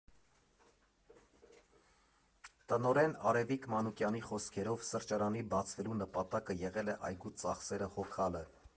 Տնօրեն Արևիկ Մանուկյանի խոսքերով, սրճարանի բացվելու նպատակը եղել է այգու ծախսերը հոգալը։